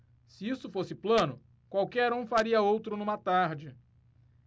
se isso fosse plano qualquer um faria outro numa tarde